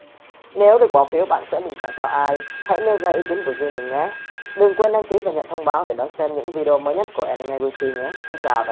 nếu được bỏ phiếu bạn sẽ bình chọn cho ai hãy nêu ra ý kiến của riêng mình nhé đừng quên đăng kí và nhận thông báo để đón xem những video mới nhất của anime wiki nhé